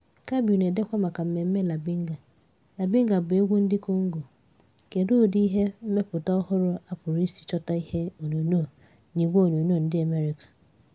Cabiau na-edekwu maka mmemme libanga. Libanga bụ egwu ndị Congo, kedu ụdị ihe mmepụta ọhụrụ a pụrụ isi chọta ihe onyonyo na igweonyonyo ndị Amerịka.